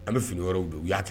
An bi fini yɔrɔw don u ya